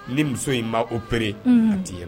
Ni muso in maa o bereere a tɛ ye